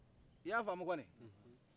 iya famu kɔni